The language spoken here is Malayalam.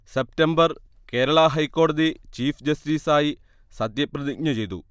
സെപ്റ്റംബർ കേരള ഹൈക്കോടതി ചീഫ് ജസ്റ്റിസായി സത്യപ്രതിജ്ഞ ചെയ്തു